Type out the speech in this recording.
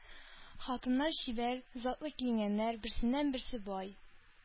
Хатыннар чибәр, затлы киенгәннәр, берсеннән-берсе бай.